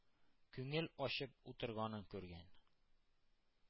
Күңел ачып утырганын күргән.